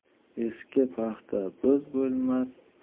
eski paxta bo'z bo'lmas